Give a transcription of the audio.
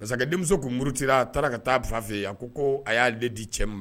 Masakɛ kun muruti a taara ka taafe yen a ko a y'aale di cɛ